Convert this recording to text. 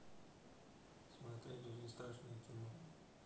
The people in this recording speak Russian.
смотреть очень страшное кино